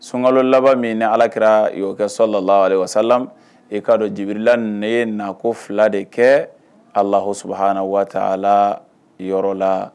Sonka laban min ni alakira yɔrɔso la la ale walasa e ka'a dɔn dibirila nin ye na ko fila de kɛ a laho sabaha na waati a la yɔrɔ la